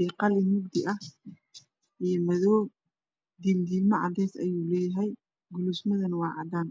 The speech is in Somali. iyo qalin mugdi ah iyo madow diirdiimo cadays ayuu leeyahay guluusmadana waa cadaan